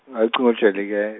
ngocingo olujwayeleke-.